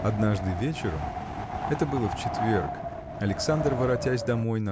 Однажды вечером – это было в четверг – Александр воротясь домой